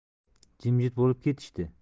jimjit bo'lib ketishdi